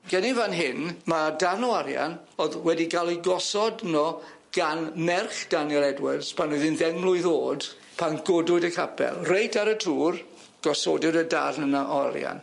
Gen ni fan hyn ma' darn o arian o'dd wedi ga'l ei gosod yno gan merch Daniel Edwards pan oedd 'i'n ddeng mlwydd o'd pan godwyd y capel. Reit ar y twr gosodwyd y darn yna o arian.